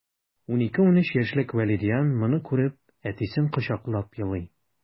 12-13 яшьлек вәлидиан моны күреп, әтисен кочаклап елый...